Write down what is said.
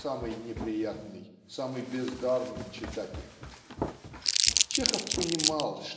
самый неприятный, самый бездарный читатель". Чехов понимал